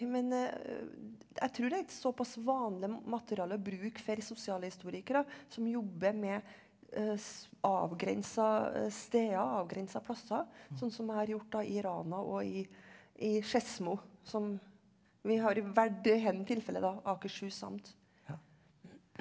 men jeg tror det er såpass vanlig materiale å bruke for sosialhistorikere som jobber med avgrensa steder avgrensa plasser sånn som jeg har gjort da i Rana og i i Skedsmo som vi har valgt i det her tilfellet da Akershus amt.